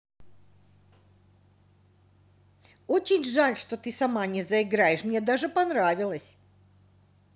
очень жаль что ты сама не заиграешь мне даже понравилась